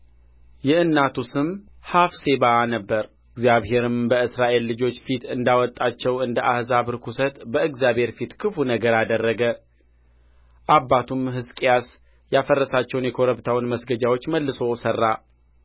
የእናቱ ስም ሐፍሴባ ነበረ እግዚአብሔርም ከእስራኤል ልጆች ፊት እንዳወጣቸው እንደ አሕዛብ ርኵሰት በእግዚአብሔር ፊት ክፉ ነገር አደረገ አባቱም ሕዝቅያስ ያፈረሳቸውን የኮረብታውን መስገጃዎች መልሶ ሠራ